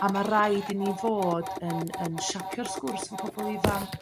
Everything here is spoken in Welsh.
A ma' raid i ni fod yn yn siapio'r sgwrs 'fo pobol ifanc